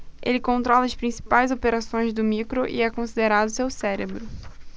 ele controla as principais operações do micro e é considerado seu cérebro